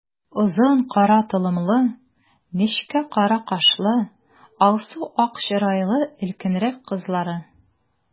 Озын кара толымлы, нечкә кара кашлы, алсу-ак чырайлы өлкәнрәк кызлары.